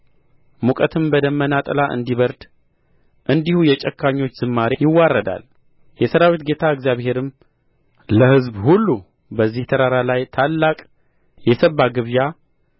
ሙቀትም በደመና ጥላ እንዲበርድ እንዲሁ የጨካኞች ዝማሬ ይዋረዳል የሠራዊት ጌታ እግዚአብሔርም ለሕዝብ ሁሉ በዚህ ተራራ ላይ ታላቅ የሰባ ግብዣ